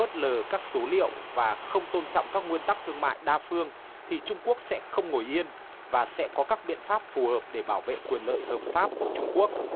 phớt lờ các số liệu và không tôn trọng các nguyên tắc thương mại đa phương thì trung quốc sẽ không ngồi yên và sẽ có các biện pháp phù hợp để bảo vệ quyền lợi hợp pháp của trung quốc